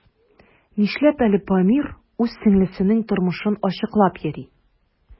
Нишләп әле Памир үз сеңлесенең тормышын ачыклап йөри?